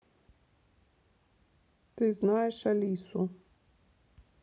ты знаешь алису